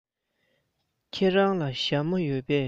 ཁྱེད རང ལ ཞྭ མོ ཡོད པས